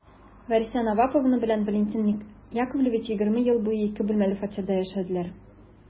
Вәриса Наваповна белән Валентин Яковлевич егерме ел буе ике бүлмәле фатирда яшәделәр.